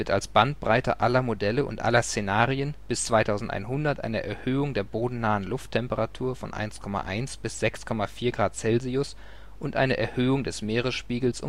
als Bandbreite aller Modelle und aller Szenarien bis 2100 eine Erhöhung der bodennahen Lufttemperatur von 1,1 bis 6,4 °C und eine Erhöhung des Meeresspiegels von